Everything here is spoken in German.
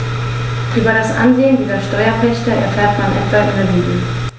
Über das Ansehen dieser Steuerpächter erfährt man etwa in der Bibel.